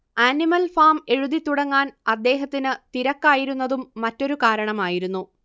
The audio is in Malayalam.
ആനിമൽ ഫാം എഴുതിത്തുടങ്ങാൻ അദ്ദേഹത്തിന് തിരക്കായിരുന്നതും മറ്റൊരു കാരണമായിരുന്നു